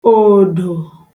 òdò